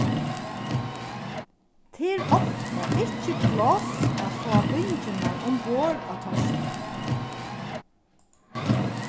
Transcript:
tað er ofta ikki pláss at fáa bingjurnar umborð á teistan